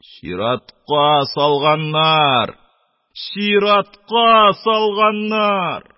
Чиратка салганнар, чиратка салганнар!